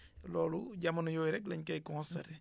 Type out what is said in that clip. loolu jamono yooyu rek lañ koy constaté